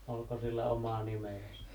oliko sillä oma nimensä